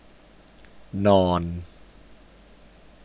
นอน